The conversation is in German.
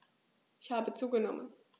Ich habe zugenommen.